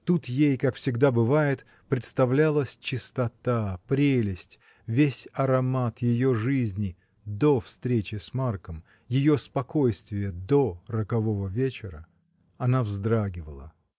Тут ей, как всегда бывает, представлялась чистота, прелесть, весь аромат ее жизни — до встречи с Марком, ее спокойствие до рокового вечера. Она вздрагивала.